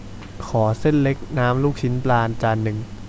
ขอเส้นเล็กน้ำลูกชิ้นปลาจานหนึ่ง